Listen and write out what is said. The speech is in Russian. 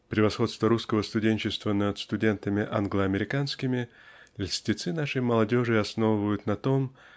Превосходство русского студенчества над студентами англо-американскими льстецы нашей молодежи основывают на том